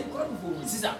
sisan